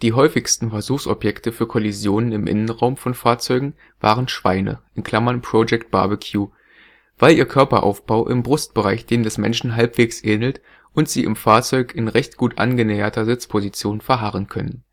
häufigsten Versuchsobjekte für Kollisionen im Innenraum von Fahrzeugen waren Schweine (Project Barbecue), weil ihr Körperaufbau im Brustbereich dem des Menschen halbwegs ähnelt und sie im Fahrzeug in recht gut angenäherter Sitzposition verharren konnten